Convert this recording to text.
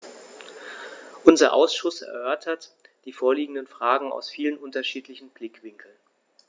Unser Ausschuss erörtert die vorliegenden Fragen aus vielen unterschiedlichen Blickwinkeln.